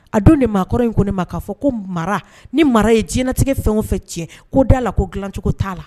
A don nin maakɔrɔ in kɔni nin ma k'a fɔ ko mara ni mara ye jinɛɲɛnatigɛ fɛn o fɛ tiɲɛ k'o d' a la ko g dilacogo t'a la